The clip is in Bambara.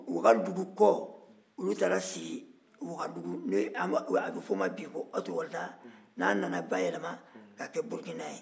wagadugu kɔ olu taara sigi wagadugu n'a bɛ fɔ o ma ko hɔtiwɔlita n'a nana bayɛlɛma k'a kɛ burukina ye